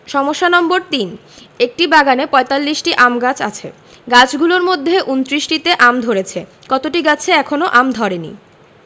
সমস্যা নম্বর ৩ একটি বাগানে ৪৫টি আম গাছ আছে গাছগুলোর মধ্যে ২৯টিতে আম ধরেছে কতটি গাছে এখনও আম ধরেনি